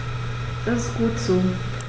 Das ist gut so.